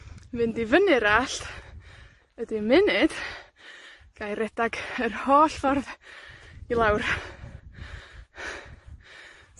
mynd i fyny'r allt, ydi yn munud, gai redag yr holl ffordd, i lawr.